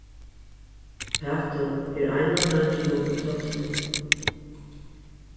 pætur er ein av dreingjunum í flokkinum